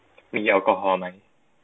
มีแอลกอฮอล์ไหม